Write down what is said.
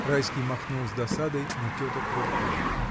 Райский махнул с досадой на теток рукой.